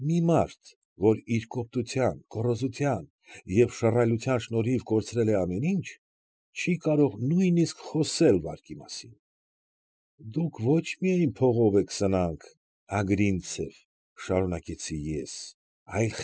Մի մարդ, որ իր կոպտության, գոռոզության և շռայլության շնորհիվ կորցրել է ամեն ինչ, չի կարող նույնիսկ խոսել վարկի մասին։ ֊ Դուք ոչ միայն փողով եք սնանկ, Ագրինցև,֊ շարունակեցի ես,֊ այլև։